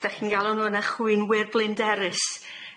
Dech chi'n galw nhw'n y- chwynwyr blinderus.